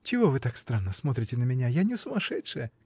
— Что вы так странно смотрите на меня: я не сумасшедшая!